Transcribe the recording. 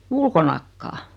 ulkonakaan